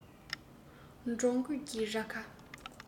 འབྲོང རྒོད ཀྱི རྭ ཁ